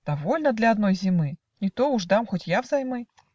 - "Довольно для одной зимы, Не то уж дам хоть я взаймы".